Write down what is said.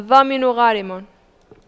الضامن غارم